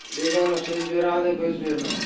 begona so'z beradi bo'z bermaydi